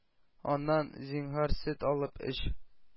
Аннан: “Зинһар, сөт алып эч,